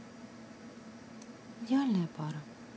идеальная пара